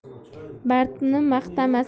mardni maqtamasang ham mard